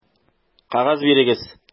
Кәгазь бирегез!